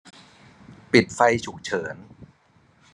ปิดไฟฉุกเฉิน